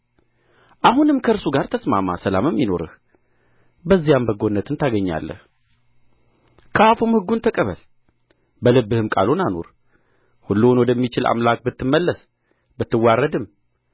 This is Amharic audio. አሁንም ከእርሱ ጋር ተስማማ ሰላምም ይኑርህ በዚያም በጎነት ታገኛለህ ከአፉም ሕጉን ተቀበል በልብህም ቃሉን አኑር ሁሉን ወደሚችል አምላክ ብትመለስ ብትዋረድም